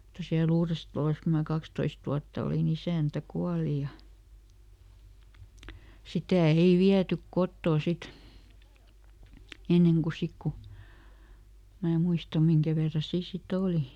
mutta siellä Uudessatalossa kun minä kaksitoista vuotta olin isäntä kuoli ja sitä ei viety kotoa sitten ennen kuin sitten kun minä muista minkä verran siinä sitten oli